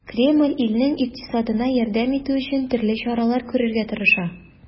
Кремль илнең икътисадына ярдәм итү өчен төрле чаралар күрергә тырыша.